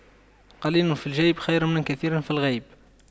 قليل في الجيب خير من كثير في الغيب